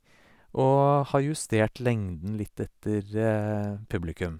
Og har justert lengden litt etter publikum.